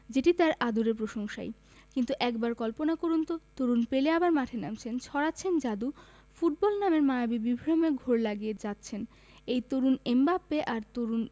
যেটি তাঁর আদুরে প্রশংসাই কিন্তু একবার কল্পনা করুন তো তরুণ পেলে আবার মাঠে নামছেন ছড়াচ্ছেন জাদু ফুটবল নামের মায়াবী বিভ্রমে ঘোর লাগিয়ে যাচ্ছেন এই তরুণ এমবাপ্পে আর তরুণ